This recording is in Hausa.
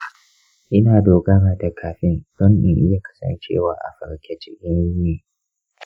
ina dogara da caffeine don in iya kasancewa a farke cikin yini.